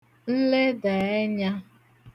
nledà ẹnyā